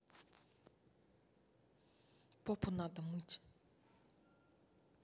попу надо мыть